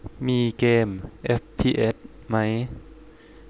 มีเกมเอฟพีเอสไหม